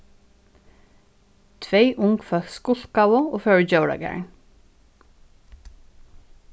tvey ung fólk skulkaðu og fóru í djóragarðin